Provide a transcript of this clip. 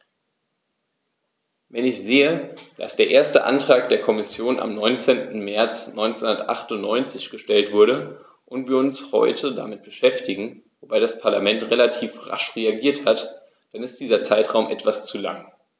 Wenn ich sehe, dass der erste Antrag der Kommission am 19. März 1998 gestellt wurde und wir uns heute damit beschäftigen - wobei das Parlament relativ rasch reagiert hat -, dann ist dieser Zeitraum etwas zu lang.